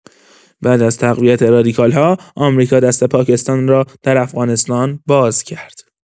بعد از تقویت رادیکال‌ها، آمریکا دست پاکستان را در افغانستان باز کرد.